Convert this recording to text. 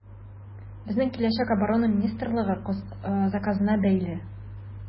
Безнең киләчәк Оборона министрлыгы заказына бәйле.